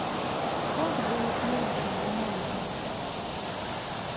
как делать нож из бумаги